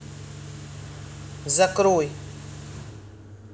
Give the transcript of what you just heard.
закрой